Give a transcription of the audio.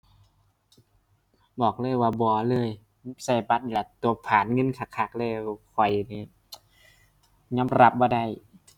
บอกเลยว่าบ่เลย ใช้บัตรนี่ล่ะใช้ผลาญเงินคักคักเลย ข้อยนี่ ยอมรับบ่ได้